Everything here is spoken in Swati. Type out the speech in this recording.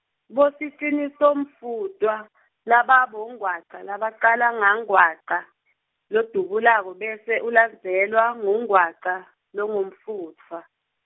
Bosicinisomfutfwa, laba bongwaca labacala ngangwaca, lodubulako bese ulandzelwa ngungwaca, longumfutfwa.